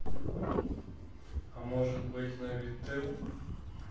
а может быть навител